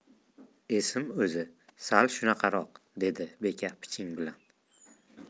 esim o'zi sal shunaqaroq dedi beka piching bilan